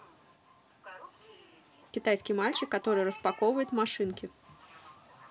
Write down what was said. китайский мальчик который распаковывает машинки